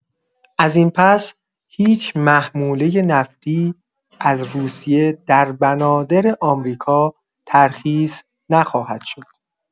از این پس‌هیچ محموله نفتی از روسیه در بنادر آمریکا ترخیص نخواهد شد.